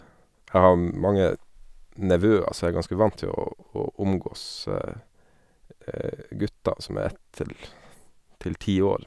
Jeg har mange nevøer, så jeg er ganske vant til å å omgås gutter som er ett til til ti år.